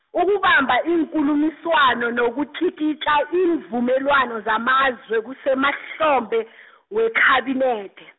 ukubamba iinkulumiswano nokutlikitla iimvumelwano zamazwe kusemahlombe , weKhabinethe.